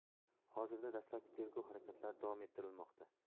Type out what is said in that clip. hozirda dastlabki tergov harakatlari davom ettirilmoqda